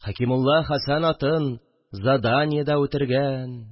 Хәкимулла Хәсән атын Заданиеда үтергә-ә-н